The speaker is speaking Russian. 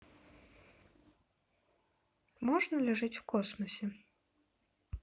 можно ли жить в космосе